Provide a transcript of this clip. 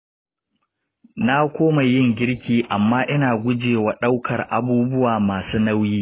na koma yin girki amma ina guje wa ɗaukar abubuwa masu nauyi.